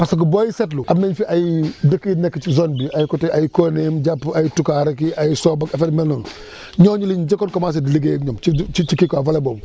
parce que booy seetlu am nañ fi ay dëkk yu nekk ci zone bi ay côté ay Kooneem jàpp ay Toucar ak i ay Sob ak affaire yu mel noonu ñooñu lañ njëkkoon commencé di liggéey ak ñoom ci ci kii quoi volet boobu